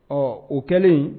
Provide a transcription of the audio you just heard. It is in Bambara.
Ɔ o kɛlen